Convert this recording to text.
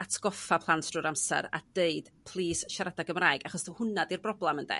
atgoffa plant drwy'r amser a deud plîs siarada' Gymraeg achos hwna di'r broblem ynde?